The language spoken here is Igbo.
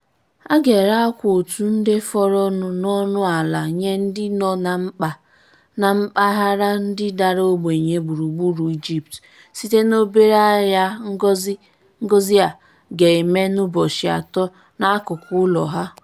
A ga-ere akwa otu nde fọrọ nụ n'ọnụala nye ndị nọ na mkpa na mpaghara ndị dara ogbenye gburugburu Egypt site n'obere ahịa ngosi a ga-eme n'ụbọchị 3 n'akụkụ ụlọ ha.